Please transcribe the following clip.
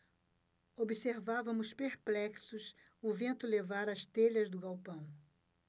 observávamos perplexos o vento levar as telhas do galpão